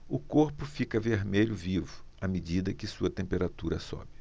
o corpo fica vermelho vivo à medida que sua temperatura sobe